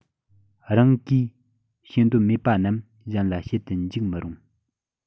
རང གིས བྱེད འདོད མེད པ རྣམས གཞན ལ བྱེད དུ འཇུག མི རུང